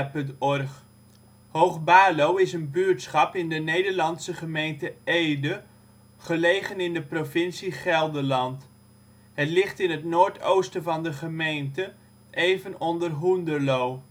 OL Hoog-Baarlo Plaats in Nederland Situering Provincie Gelderland Gemeente Ede Coördinaten 52° 7′ NB, 5° 52′ OL Portaal Nederland Hoog-Baarlo is een buurtschap in de Nederlandse gemeente Ede, gelegen in de provincie Gelderland. Het ligt in het noordoosten van de gemeente, even onder Hoenderloo